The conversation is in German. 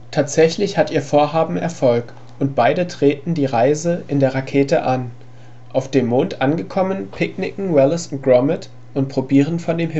Tatsächlich hat ihr Vorhaben Erfolg und beide treten die Reise in der Rakete an. Auf dem Mond angekommen, picknicken Wallace und Gromit und probieren von dem Himmelskörper